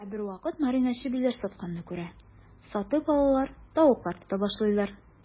Ә бервакыт Марина чебиләр сатканны күрә, сатып алалар, тавыклар тота башлыйлар.